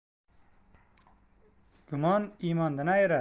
gumon imondan ayirar